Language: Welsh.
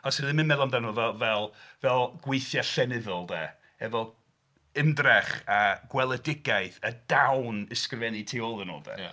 Os ydym yn meddwl amdano fo fel... fel... fel gweithiau llenyddol 'de, efo ymdrech a gweledigaeth a dawn ysgrifennu tu ôl iddyn nhw 'de... Ia.